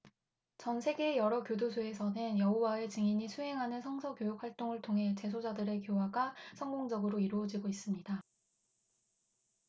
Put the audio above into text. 전 세계의 여러 교도소에서는 여호와의 증인이 수행하는 성서 교육 활동을 통해 재소자들의 교화가 성공적으로 이루어지고 있습니다